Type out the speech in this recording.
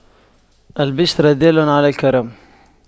الْبِشْرَ دال على الكرم